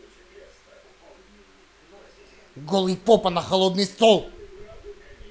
голый попа на холодный стол